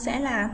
sẽ là